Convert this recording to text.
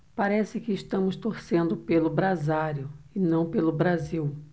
parece que estamos torcendo pelo brasário e não pelo brasil